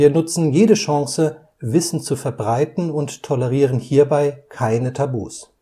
nutzen jede Chance, Wissen zu verbreiten und tolerieren hierbei keine Tabus